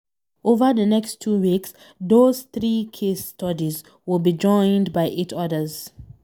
Over the next two weeks these three case studies will be joined by eight others.